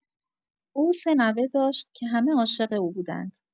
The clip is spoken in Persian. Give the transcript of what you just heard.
او سه نوه داشت که همه عاشق او بودند.